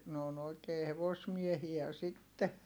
ne on oikein hevosmiehiä sitten